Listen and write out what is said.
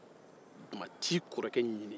o tuma taa i kɔrɔkɛ ɲini